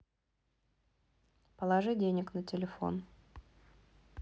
положи денег на телефон